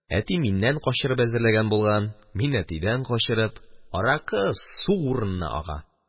Әти миннән качырып әзерләгән булган, мин әтидән качырып – аракы су урынына ага.